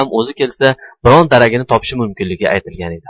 o'zi kelsa biron daragini topishi mumkinligi aytilgan edi